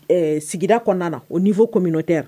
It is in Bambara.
Ɛ sigi kɔnɔna na o nifo kominntɛ